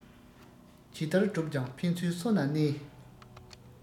ཇི ལྟར བསྒྲུབས ཀྱང ཕན ཚུན སོ ན གནས